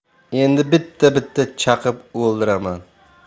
endi bitta bitta chaqib o'ldiraman